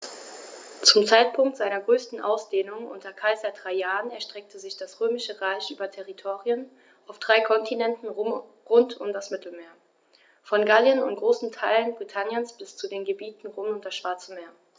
Zum Zeitpunkt seiner größten Ausdehnung unter Kaiser Trajan erstreckte sich das Römische Reich über Territorien auf drei Kontinenten rund um das Mittelmeer: Von Gallien und großen Teilen Britanniens bis zu den Gebieten rund um das Schwarze Meer.